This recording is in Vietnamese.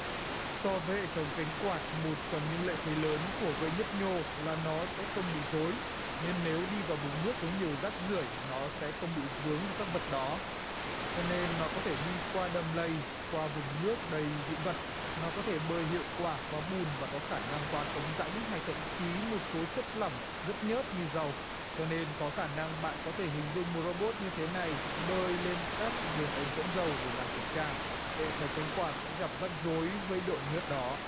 so với hệ thống cánh quạt một trong những lợi thế lớn của về nhấp nhô là nó sẽ không bị rối nên nếu đi vào vùng nước có nhiều rác rưởi nó sẽ không bị vướng vào các vật đó cho nên nó có thể đi qua đầm lầy qua vùng nước đầy dị vật nó có thể bởi hiệu quả quá bùn và có khả năng qua cống rãnh hay thậm chí một số chất lỏng rất nhớt như dầu cho nên có khả năng bạn có thể hình dung một rô bốt như thế này bơi lên các đường ống dẫn dầu để làm kiểm tra hệ thống cánh quạt sẽ gặp rắc rối với độ nhớt đó